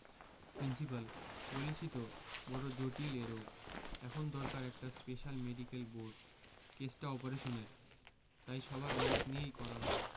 principal বলেছি তো বড় জটিল এ রোগ এখন দরকার একটা স্পেশাল মেডিকেল বোর্ড কেসটা অপারেশনের তাই সবার মত নিয়েই করা ভালো